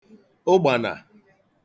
ụgbànà